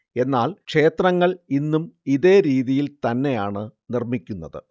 എന്നാല്‍ ക്ഷേത്രങ്ങള്‍ ഇന്നും ഇതേ രീതിയില്‍ തന്നെയാണ് നിര്‍മ്മിക്കുന്നത്